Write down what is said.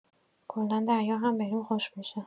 کلا دریا هم بریم خشک می‌شه